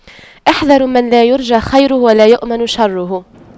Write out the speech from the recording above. احذروا من لا يرجى خيره ولا يؤمن شره